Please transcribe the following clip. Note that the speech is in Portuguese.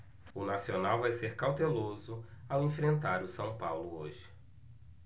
o nacional vai ser cauteloso ao enfrentar o são paulo hoje